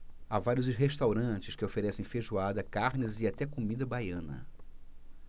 há vários restaurantes que oferecem feijoada carnes e até comida baiana